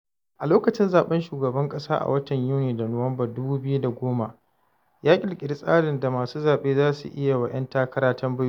A lokacin zaɓen Shugaban ƙasa a watan Yuni da Nuwambar 2010, ya ƙirƙiri tsarin da masu zaɓe za su yi wa 'yan takara tambayoyi.